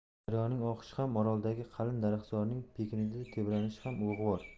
daryoning oqishi ham oroldagi qalin daraxtzorning epkinda tebranishi ham ulug'vor